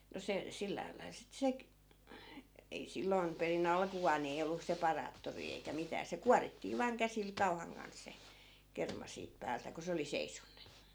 no se sillä lailla sitten - ei silloin perin alkuaan niin ei ollut separaattoria eikä mitään se kuorittiin vain käsillä kauan kanssa se kerma siitä päältä kun se oli seisonut